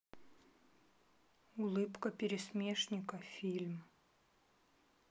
улыбка пересмешника фильм